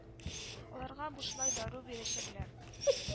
Аларга бушлай дару бирәчәкләр